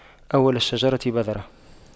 أول الشجرة بذرة